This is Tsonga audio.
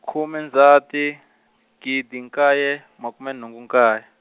khume Ndzhati, gidi nkaye makume nhungu nkaye.